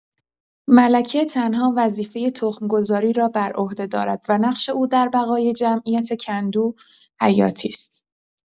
ملکه تنها وظیفه تخم‌گذاری را بر عهده دارد و نقش او در بقای جمعیت کندو حیاتی است.